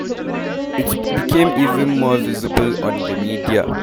“It became even more visible on the media.